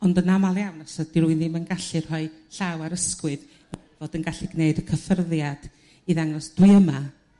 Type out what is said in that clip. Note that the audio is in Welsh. ond yn amal iawn os ydi rywyn ddim yn gallu rhoi llaw ar ysgwydd fod yn gallu g'neud y cyffyrddiad i ddangos dwi yma